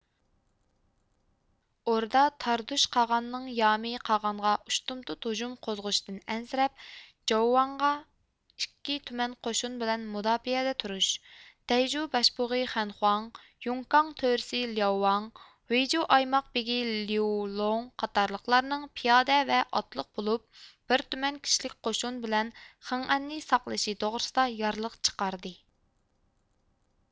ئوردا تاردۇش قاغاننىڭ يامى قاغانغا ئۇشتۇمتۇت ھۇجۇم قوزغىشىدىن ئەنسىرەپ جاڭۋغا ئىككى تۈمەن قوشۇن بىلەن مۇداپىئەدە تۇرۇش دەيجۇ باشبۇغى خەنخوڭ يوڭكاڭ تۆرىسى لىياۋۋاڭ ۋېيجۇۋ ئايماق بېگى ليۇلوڭ قاتارلىقلارنىڭ پىيادە ۋە ئاتلىق بولۇپ بىر تۈمەن كىشىلىك قوشۇن بىلەن خېڭئەننى ساقلىشى توغرىسىدا يارلىق چىقاردى